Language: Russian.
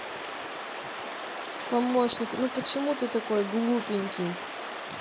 помощник ну почему ты такой глупенький